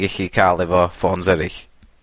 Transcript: gillu cael efo ffôns eryll.